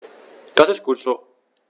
Das ist gut so.